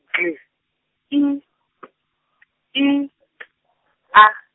G I P I K A.